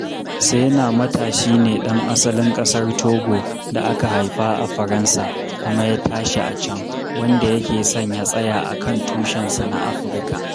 Sena matashi ne ɗan asalin ƙasar Togo da aka haifa a Faransa kuma ya tashi a can, wanda yake son ya tsaya a kan tushensa na Afirka.